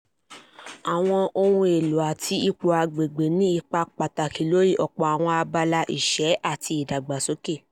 Ọkàn lára àwọn ọ̀nà tí ó lágbára jù láti rí àṣeyọrí lórí MDG àkọ́kọ́ - pa òṣì àti ebi run ni láti rí i dájú pé ìjẹ́ ojúlówó àti iye àyíká di tí tọ́jú fún fún ìgbà pípẹ́, " èyí ni ohun tí àwọn òǹkọ̀wé sọ.